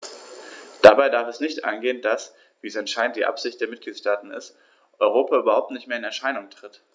Dabei darf es nicht angehen, dass - wie es anscheinend die Absicht der Mitgliedsstaaten ist - Europa überhaupt nicht mehr in Erscheinung tritt.